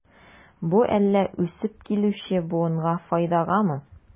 Бу әллә үсеп килүче буынга файдагамы?